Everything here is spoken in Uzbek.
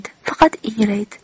faqat ingraydi